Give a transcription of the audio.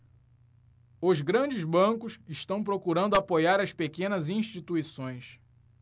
os grandes bancos estão procurando apoiar as pequenas instituições